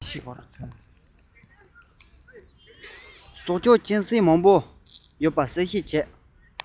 གཟིག གཅན གཟན མང པོ ཡོད པ གསལ བཤད བྱས